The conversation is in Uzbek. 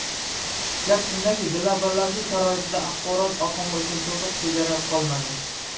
gap shundaki globallashuv sharoitida axborot oqimi uchun to'siq chegara qolmadi